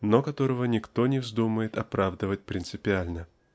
но которого никто не вздумает оправдывать принципиально.